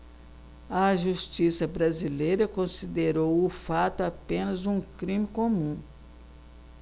a justiça brasileira considerou o fato apenas um crime comum